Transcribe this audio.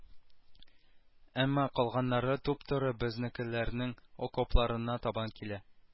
Әмма калганнары туп-туры безнекеләрнең окопларына табан килә